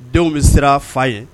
Denw bɛ siran fa ye